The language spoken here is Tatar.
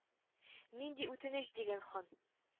— нинди үтенеч?— дигән хан.